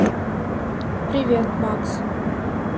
привет макс